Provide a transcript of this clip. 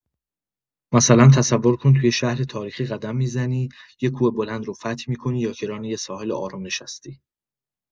مثلا تصور کن تو یه شهر تاریخی قدم می‌زنی، یه کوه بلند رو فتح می‌کنی یا کنار یه ساحل آروم نشستی.